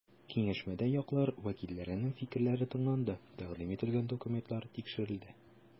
Киңәшмәдә яклар вәкилләренең фикерләре тыңланды, тәкъдим ителгән документлар тикшерелде.